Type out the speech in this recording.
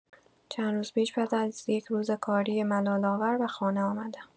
چند روز پیش بعد از یک روز کاری ملال‌آور به خانه آمدم.